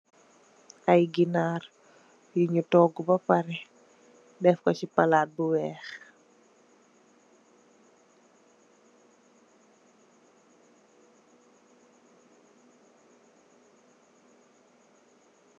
Ay ginaar, yunyu togu ba pareh, defko still palat bu wekh.